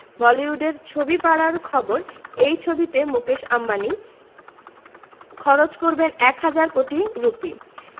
বলিউডের ছবিপাড়ার খবর এই ছবিতে মুকেশ আম্বানি খরচ করবেন এক হাজার কোটি রুপি